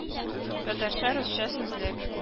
Татарча-русча сүзлек